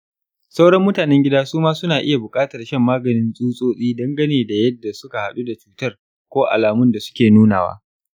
sauran mutanen gida su ma suna iya buƙatar shan maganin tsutsotsi dangane da yadda suka haɗu da cutar ko alamun da suke nunawa.